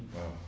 waaw